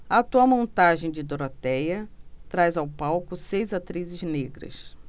a atual montagem de dorotéia traz ao palco seis atrizes negras